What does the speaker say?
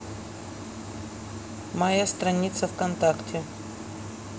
моя страница вконтакте